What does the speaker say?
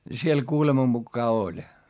siellä kuuleman mukaan oli